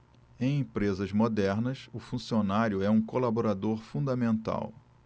em empresas modernas o funcionário é um colaborador fundamental